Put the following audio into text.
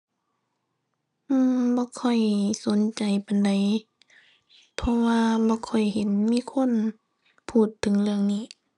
อือ บ่ค่อยสนใจปานใดเพราะว่าบ่ค่อยเห็นมีคนพูดถึงเรื่องนี้